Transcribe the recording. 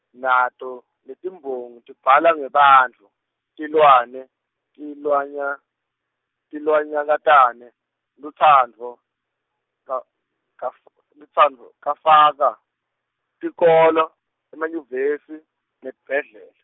nato, letiMbongi tibhala ngebantfu, tilwane, tilwanya- tilwanyakatane, lutsandvo, ka- kaf-, lutsandvo kafaka, tikolo, emanyuvesi, netibhedlela.